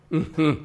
Unhun